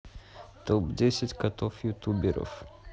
топ десять котов ютуберов